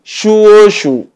Su o su